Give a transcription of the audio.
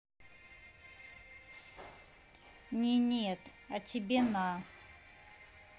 не нет а тебе на